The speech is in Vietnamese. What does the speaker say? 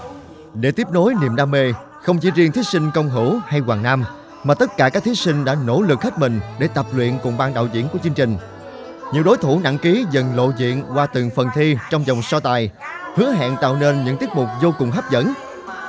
để tiếp nối niềm đam mê không chỉ riêng thí sinh công hữu hay hoàng nam mà tất cả các thí sinh đã nỗ lực hết mình để tập luyện cùng ban đạo diễn của chương trình nhiều đối thủ nặng ký dần lộ diện qua từng phần thi trong dòng so tài hứa hẹn tạo nên những tiết mục vô cùng hấp dẫn